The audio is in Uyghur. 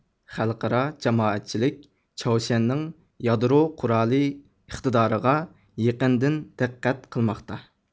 خەلقئارا جامائەتچىلىك چاۋشيەننىڭ يادرو قورالى ئىقتىدارى غا يېقىندىن دىققەت قىلماقتا